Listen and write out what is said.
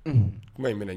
Kuma in minɛ